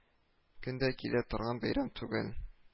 — көн дә килә торган бәйрәм түгел